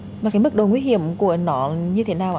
và cái mức độ nguy hiểm của nó là như thế nào ạ